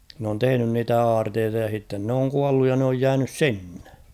ne on tehnyt niitä aarteita ja sitten ne on kuollut ja ne on jäänyt sinne